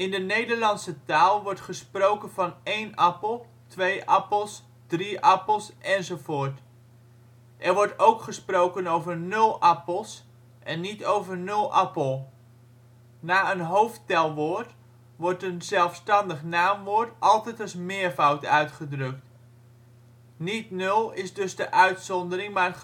de Nederlandse taal wordt gesproken van één appel, twee appels, drie appels enz. Er wordt ook gesproken over nul appels en niet over nul appel. Na een hoofdtelwoord wordt een zelfstandig naamwoord altijd als meervoud uitgedrukt. Niet nul is dus de uitzondering, maar